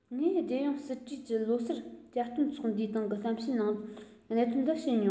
ངས རྒྱལ ཡོངས སྲིད གྲོས ཀྱི ལོ གསར ཇ སྟོན ཚོགས འདུའི སྟེང གི གཏམ བཤད ནང གནད དོན འདི བཤད མྱོང